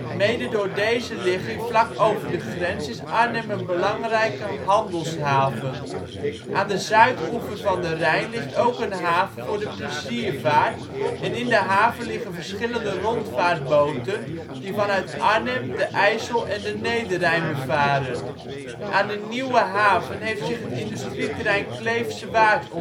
Mede door deze ligging vlak over de grens is Arnhem een belangrijke handelshaven. Aan de zuidoever van de Rijn ligt ook een haven voor de pleziervaart en in de haven liggen verschillende rondvaartboten die vanuit Arnhem de IJssel en de Neder-Rijn bevaren. Aan de Nieuwe Haven heeft zich het industrieterrein Kleefse Waard ontwikkeld